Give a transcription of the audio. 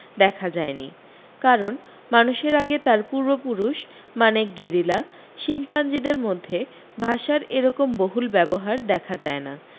দেখা যায়নি কারণ মানুষের আগে তার পূর্বপুরুষ মানে গেরিলা শিম্পাঞ্জিদের মধ্যে ভাষার এরকম বহুল ব্যবহার দেখা যায় না